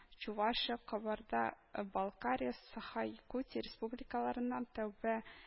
Чувашия, Кабарда-Балкария, Саха-Якутия Республикаларыннан, Түбә